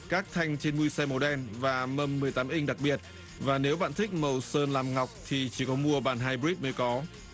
các thanh trên mui xe màu đen và mâm mười tám inh đặc biệt và nếu bạn thích màu sơn lam ngọc thì chỉ có mua bản hai pít mới có